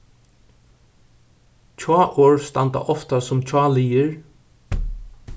hjáorð standa ofta sum hjáliðir